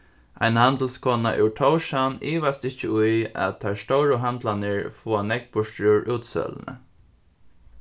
ein handilskona úr tórshavn ivast ikki í at teir stóru handlarnir fáa nógv burtur úr útsøluni